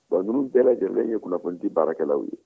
wa ninnu bɛɛ lajɛlen ye kunnafonidi baarakɛlaw ye